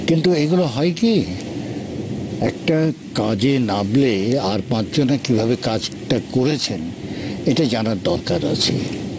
কিন্তু এগুলো হয় কি একটা কাজে নামলে আর পাঁচজনে কিভাবে কাজটা করেছেন এটা জানার দরকার আছে